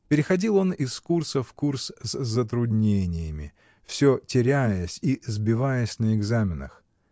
Переходил он из курса в курс с затруднениями, всё теряясь и сбиваясь на экзаменах.